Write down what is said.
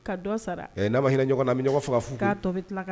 Ka dɔ sara, ee n'an man hinɛ ɲɔgn na, an bi ɲɔgn faga fu, k'a bi tila k'a tɔ sara.